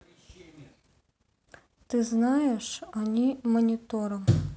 ты знаешь они монитором